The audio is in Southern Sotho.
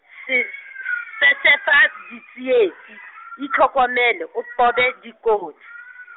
se-, sesefa ditsietsi, itlhokomele, o qobe dikotsi.